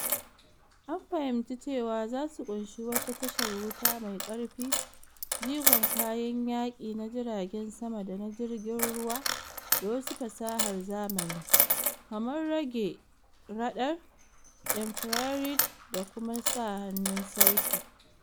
An fahimci cewa za su ƙunshi wata tashar wuta mai karfi, jigon kayan yaki na jiragen sama da na jirgin ruwa da wasu fasahar zamani, kamar rage radar, infrared da kuma sa hannun sauti.